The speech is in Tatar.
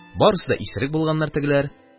Барысы да исерек булганнар тегеләр.